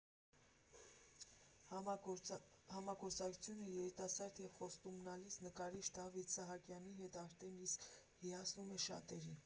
Համագործակցությունը երիտասարդ ու խոստումնալից նկարիչ Դավիթ Սահակյանի հետ արդեն իսկ հիացնում է շատերին։